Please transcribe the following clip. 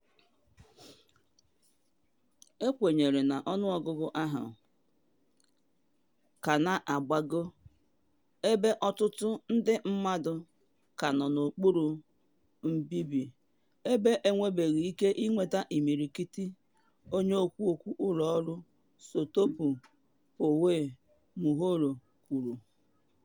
“Ekwenyere na ọnụọgụ ahụ ka na agbago ebe ọtụtụ ndị mmadụ ka nọ n’okpuru mbibi ebe enwebeghị ike ịnweta imirikiti,” onye okwu okwu ụlọ ọrụ Sutopo Purwo Nugroho kwuru.